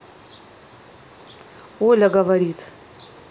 оля говорит